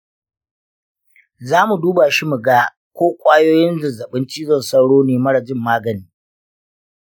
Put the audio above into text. zamu duba shi mu ga ko ƙwayoyin zazzaɓin cizon sauro ne mara jin magani.